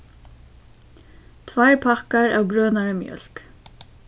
tveir pakkar av grønari mjólk